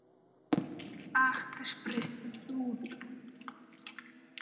ах ты ж проститутка